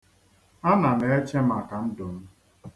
Ana m eche maka ndụ m.